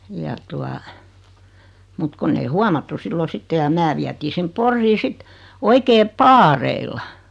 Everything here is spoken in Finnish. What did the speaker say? ja tuota mutta kun ei huomattu silloin sitten ja minä vietiin sinne Poriin sitten oikein paareilla